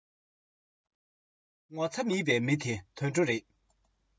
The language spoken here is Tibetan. རང འདོད ཅན གྱི མི ལ ངོ ཚ མེད